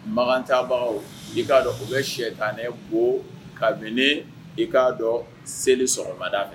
Maka taabagaw i k'a dɔn, u bɛ sitanɛ bon, kabini i k'a dɔn seli sɔgɔmada fɛ